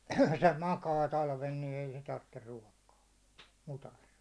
se makaa talven niin ei se tarvitse ruokaa mudassa